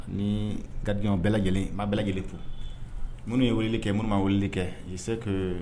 Ni garidiɔn bɛɛ lajɛlen i'a bɛɛ lajɛlen fo minnu ye wele kɛ minnu'a wele kɛ i se